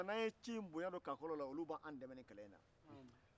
n'an ye ci in bonya don kaɔlɔw la olu be an dɛmɛ kɛlɛ in na